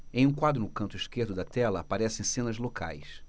em um quadro no canto esquerdo da tela aparecem cenas locais